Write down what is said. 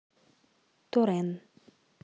toren